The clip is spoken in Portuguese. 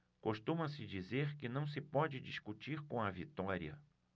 costuma-se dizer que não se pode discutir com a vitória